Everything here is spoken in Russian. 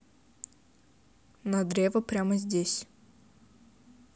на древо прямо здесь